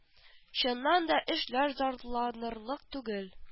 Чыннан да эшләр зарланырлык түгел